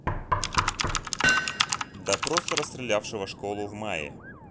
допрос расстрелявшего школу в мае